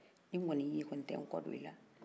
ni n kɔn'i ye n tɛ n kɔ do i la